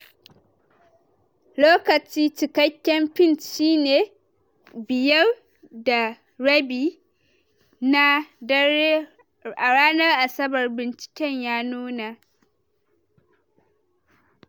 Lokaci cikakken pint shi ne 5.30pm a ranar Asabar, binciken ya nuna